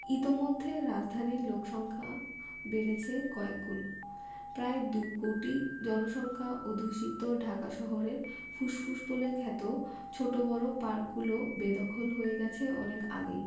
ইতোমধ্যে রাজধানীর লোকসংখ্যা বেড়েছে কয়েকগুণ প্রায় দুকোটি জনসংখ্যা অধ্যুষিত ঢাকা শহরের ফুসফুস বলে খ্যাত ছোট বড় পার্কগুলো বেদখল হয়ে গেছে অনেক আগেই